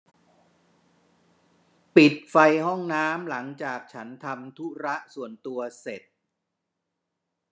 ปิดไฟห้องน้ำหลังจากฉันทำธุระส่วนตัวเสร็จ